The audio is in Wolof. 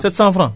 sept cent